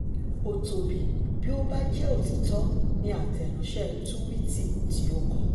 Ó tóbi bí ó bájẹ́ òtítọ́, ní àtẹ̀ránṣẹ́ tuwiti tí o kọ.